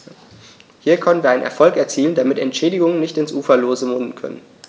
Hier konnten wir einen Erfolg erzielen, damit Entschädigungen nicht ins Uferlose münden können.